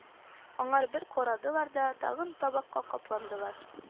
Аңар бер карадылар да, тагын табакка капландылар